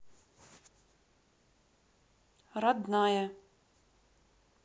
родная